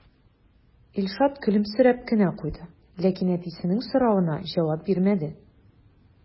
Илшат көлемсерәп кенә куйды, ләкин әтисенең соравына җавап бирмәде.